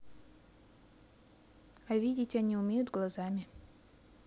а видеть они умеют глазами